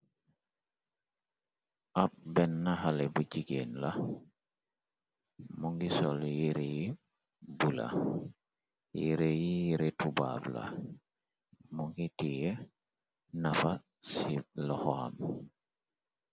Ab benn na xale bu jigeen la mu ngi sol yerey bu la yere yi retubaab la mu ngi tie nafa ci laxoam.